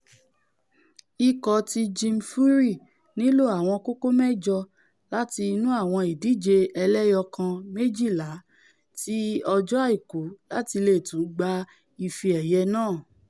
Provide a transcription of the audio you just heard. Ikọ̀ ti Jim Furyk nílò àwọn kókó mẹ́jọ láti inú àwọn ìdíje ẹlẹ́ẹyọkan méjìla ti ọjọ́ Àìkú láti leè tún gba ife-ẹ̀yẹ náà.